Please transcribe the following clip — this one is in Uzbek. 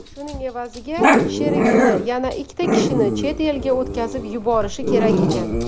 shuning evaziga sherigini yana ikki kishini chet elga o'tkazib yuborishi kerak ekan